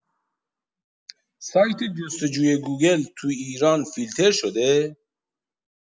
سایت جستجوی گوگل توی ایران فیلتر شده!